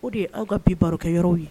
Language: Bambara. O de ye aw ka bi barokɛ yɔrɔ ye